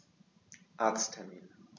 Arzttermin